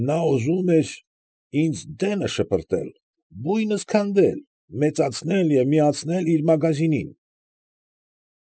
Նա ուզում էր ինձ դենը շպրտել, բույնս քանդել, մեծացնել և միացնել իր մագազինին։